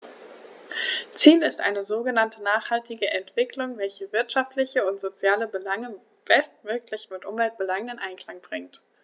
Ziel ist eine sogenannte nachhaltige Entwicklung, welche wirtschaftliche und soziale Belange bestmöglich mit Umweltbelangen in Einklang bringt.